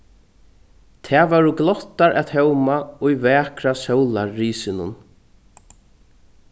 tað vóru glottar at hóma í vakra sólarrisinum